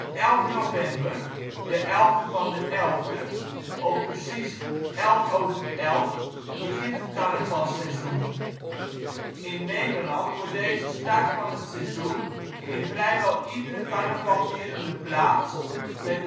11 november (de elfde van de elfde), om precies 11:11u, begint het carnavalsseizoen. In Nederland wordt deze start van het seizoen in vrijwel iedere carnavalvierende plaats met